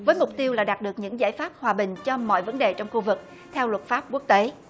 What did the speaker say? với mục tiêu là đạt được những giải pháp hòa bình cho mọi vấn đề trong khu vực theo luật pháp quốc tế